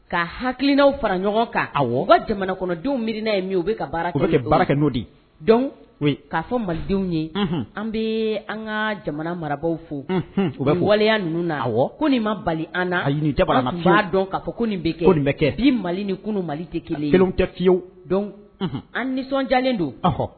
Ka hakiliinaaw fara ɲɔgɔn' aw ka jamana kɔnɔdenw mi n'a ye min u bɛ ka baara kɛ baara kɛ n'o de ye dɔn k'a fɔ malidenw ye an bɛ an ka jamana marabagaw fo u bɛ bɔ waleya ninnu na ko nin ma bali ana ɲinija ma dɔn k'a fɔ ko bɛ kɛ bɛ kɛ bi mali ni kunun mali tɛ kelen kelen tɛ fiyewu dɔn an nisɔndiyalen don